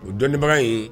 O dɔnnibaga in